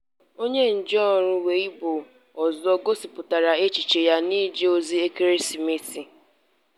Onye njiarụ Weibo ọzọ gosipụtara echiche ya n'iji ozi ekeresimesi: